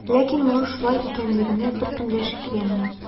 Ләкин моның шулай икәнлегенә беркем дә шикләнми.